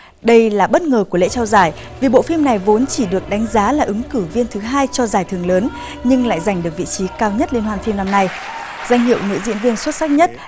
đây là bất ngờ của lễ trao giải vì bộ phim này vốn chỉ được đánh giá là ứng cử viên thứ hai cho giải thưởng lớn nhưng lại giành được vị trí cao nhất liên hoan phim năm nay danh hiệu nữ diễn viên xuất sắc nhất